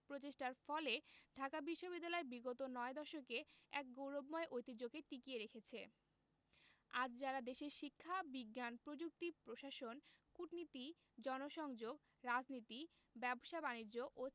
প্রচেষ্টার ফলে ঢাকা বিশ্ববিদ্যালয় বিগত নয় দশকে এর গৌরবময় ঐতিহ্যকে টিকিয়ে রেখেছে আজ যাঁরা দেশের শিক্ষা বিজ্ঞান প্রযুক্তি প্রশাসন কূটনীতি জনসংযোগ রাজনীতি ব্যবসা বাণিজ্য ও